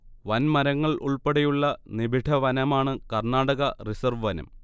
വൻമരങ്ങൾ ഉൾപ്പെടെയുള്ള നിബിഢവനമാണ് കർണാടക റിസർവ് വനം